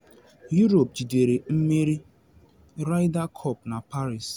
Europe jidere mmeri Ryder Cup na Paris